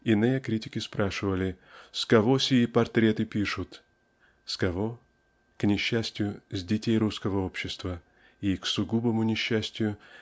Иные критики спрашивали: с кого они портреты пишут? С кого? К несчастью с детей русского общества и к сугубому несчастий)